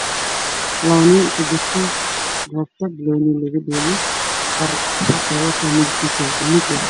Waa garoon waxaa bannaan ku ciyaaraya wiilal wataan fanaanada cadaan buluug waxaa ka dambeeyo daawanayaan